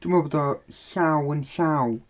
Dwi'n meddwl bod o llaw yn llaw.